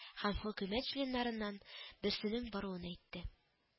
Һәм хөкүмәт членнарыннан берсенең баруын әйтте